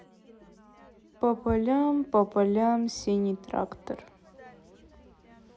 по полям по полям синий трактор